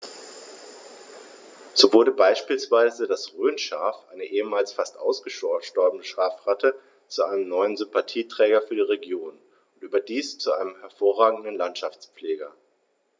So wurde beispielsweise das Rhönschaf, eine ehemals fast ausgestorbene Schafrasse, zu einem neuen Sympathieträger für die Region – und überdies zu einem hervorragenden Landschaftspfleger.